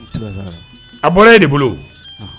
A bɔra e de bolo